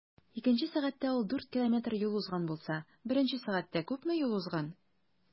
Икенче сәгатьтә ул 4 км юл узган булса, беренче сәгатьтә күпме юл узган?